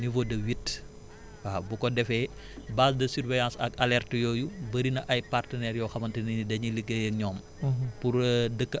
waaw muy au niveau de huit waaw bu ko defee base de surveillance ak alerte yooyu bëri na ay partenaires yoo xamante ne ni dañuy liggéey ak õom